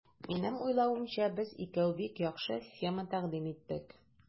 Минем уйлавымча, без икәү бик яхшы схема тәкъдим иттек.